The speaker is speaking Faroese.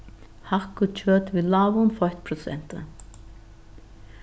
hakkikjøt við lágum feittprosenti